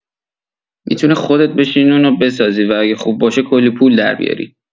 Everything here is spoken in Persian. می‌تونی خودت بشینی اون رو بسازی و اگه خوب باشه، کلی پول دربیاری!